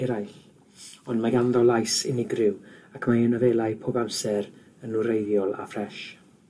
eraill ond mae ganddo lais unigryw ac mae ei nofelau pob amser yn wreiddiol a ffres.